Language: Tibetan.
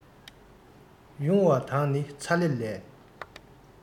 ཡུང བ དང ནི ཚ ལེ ལས